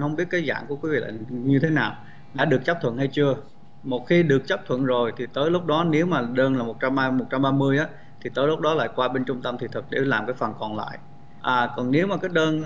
không biết cái dạng của quý vị như thế nào đã được chấp thuận hay chưa một khi được chấp thuận rồi thì tới lúc đó nếu mà đơn là một trăm một trăm ba mươi á thì tới lúc đó lại qua bên trung tâm thiết thực để làm cái phần còn lại à còn nếu mà các đơn